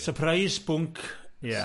Surprise bwnc, ie.